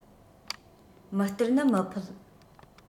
མི སྟེར ནི མི ཕོད